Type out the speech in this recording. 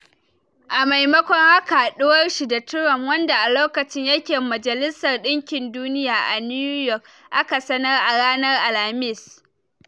A maimakon haka, haduwar shi da Trump, wanda a lokacin yake Majalisar Dinkin Duniya a New York, aka sanar a ranar Alhamis.